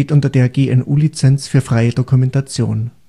unter der GNU Lizenz für freie Dokumentation